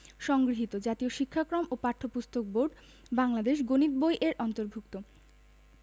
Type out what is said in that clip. সংগৃহীত জাতীয় শিক্ষাক্রম ও পাঠ্যপুস্তক বোর্ড বাংলাদেশ গণিত বই-এর অন্তর্ভুক্ত